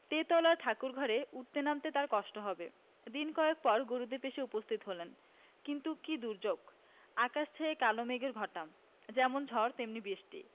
তেতলার ঠাকুরঘরে উঠতে নামতে তাঁর কষ্ট হবে দিন কয়েক পরে গুরুদেব এসে উপস্থিত হলেন কিন্তু কি দুর্যোগ আকাশ ছেয়ে কালো মেঘের ঘটা যেমন ঝড় তেমনি বৃষ্টি